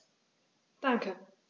Danke.